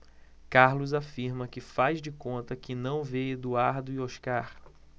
carlos afirma que faz de conta que não vê eduardo e oscar